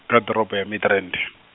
kha ḓorobo ya Midrand.